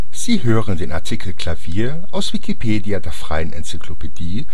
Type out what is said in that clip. Sie hören den Artikel Klavier, aus Wikipedia, der freien Enzyklopädie